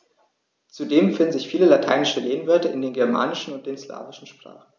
Zudem finden sich viele lateinische Lehnwörter in den germanischen und den slawischen Sprachen.